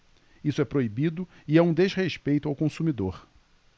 isso é proibido e é um desrespeito ao consumidor